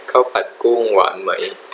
ข้าวผัดกุ้งหวานไหม